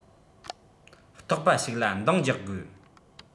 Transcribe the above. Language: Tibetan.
རྟོགས པ ཞིག ལ འདང རྒྱག དགོས